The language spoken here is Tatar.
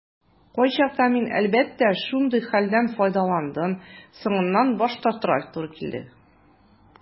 Кайчакта мин, әлбәттә, шундый хәлдән файдаландым - соңыннан баш тартырга туры килде.